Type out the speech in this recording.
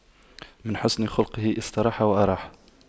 من حسن خُلُقُه استراح وأراح